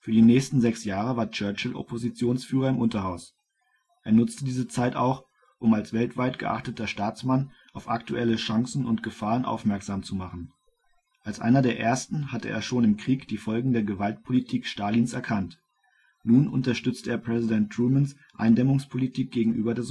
die nächsten sechs Jahre war Churchill Oppositionsführer im Unterhaus. Er nutzte diese Zeit auch, um als weltweit geachteter Staatsmann auf aktuelle Chancen und Gefahren aufmerksam zu machen. Als einer der ersten hatte er schon im Krieg die Folgen der Gewaltpolitik Stalins erkannt. Nun unterstützte er Präsident Trumans Eindämmungspolitik gegenüber